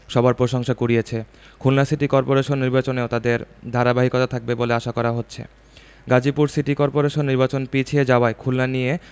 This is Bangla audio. সবার প্রশংসা কুড়িয়েছে খুলনা সিটি করপোরেশন নির্বাচনেও তার ধারাবাহিকতা থাকবে বলে আশা করা হচ্ছে গাজীপুর সিটি করপোরেশন নির্বাচন পিছিয়ে যাওয়ায় খুলনা নিয়ে